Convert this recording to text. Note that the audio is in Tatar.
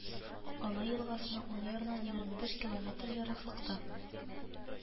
Алай елгасының уң ярыннан егерме биш километр ераклыкта